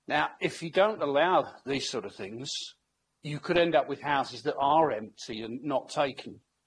Now, if you don't allow these sort of things, you could end up with houses that are empty and not taken.